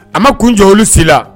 A ma kun jɔ si la